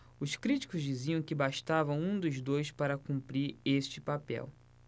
os críticos diziam que bastava um dos dois para cumprir esse papel